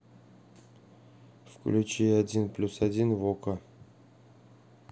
включи один плюс один в окко